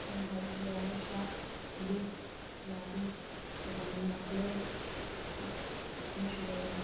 Halkan wxaa iyalo shaati baluug io cadees ninac kuleel meesho yalla neh waaa